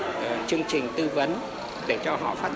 chương trình tư vấn để cho họ phát